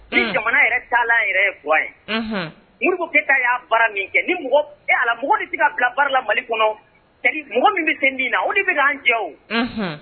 Ni jamana yɛrɛ f ye mori ko ke y'a fara min kɛ ni ala mɔgɔ de se ka bila bara la mali kɔnɔ mɔgɔ min bɛ se min na o de bɛ' jɛ o